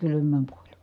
kylmään kuoli